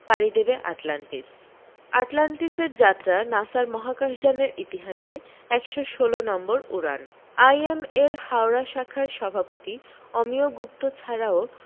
পাড়ি দেবে আটলান্টিস আটলান্টিসের যাত্রা নাসার মহাকাশ যানের ইতিহাসে একশো ষোলো নম্বর উড়ান আইএম এর হাওড়া শাখার সভাপতি অমিয় গুপ্ত ছাড়াও